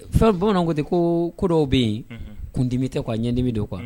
Fa bamananw ko ten ko kodɔn bɛ yen kundimi tɛ kuwa a ɲ ɲɛdimi dɔw kuwa